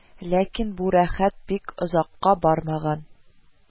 Ләкин бу рәхәт бик озакка бармаган